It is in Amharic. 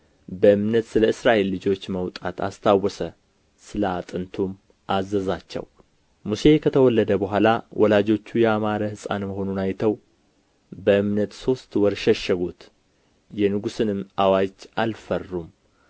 በእምነት ስለ እስራኤል ልጆች መውጣት አስታወሰ ስለ አጥንቱም አዘዛቸው ሙሴ ከተወለደ በኋላ ወላጆቹ ያማረ ሕፃን መሆኑን አይተው በእምነት ሦስት ወር ሸሸጉት የንጉሥንም አዋጅ አልፈሩም